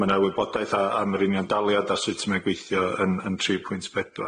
Ma' 'na wybodaeth a- am yr union daliad a sut mae o'n gweithio yn yn tri pwynt pedwar.